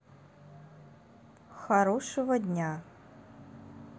хорошего дня